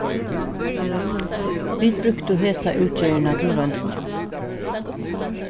vit brúktu hesa útgerðina til royndina